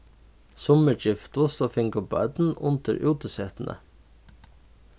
summir giftust og fingu børn undir útisetuni